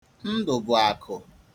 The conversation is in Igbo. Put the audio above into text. Ndụ̀bụ̀akù